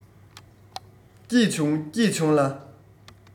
སྐྱིད བྱུང སྐྱིད བྱུང ལ